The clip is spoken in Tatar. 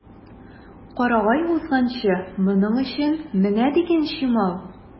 Карагай үзагачы моның өчен менә дигән чимал.